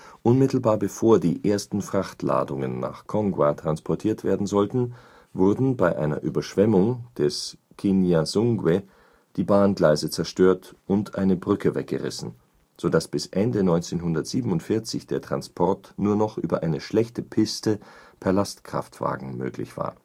Unmittelbar bevor die ersten Frachtladungen nach Kongwa transportiert werden sollten, wurden bei einer Überschwemmung des Kinyansungwe die Bahngleise zerstört und eine Brücke weggerissen, sodass bis Ende 1947 der Transport nur noch über eine schlechte Piste per Lastkraftwagen möglich war